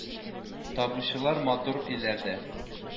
Табучылар матур өйләр дә